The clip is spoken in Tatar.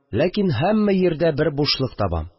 Ләкин һәммә җирдә бер бушлык табам